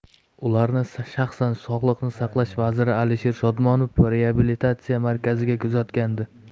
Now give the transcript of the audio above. ularni shaxsan sog'liqni saqlash vaziri alisher shodmonov reabilitatsiya markaziga kuzatgandi